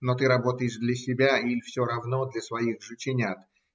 Но ты работаешь для себя или, все равно, для своих жученят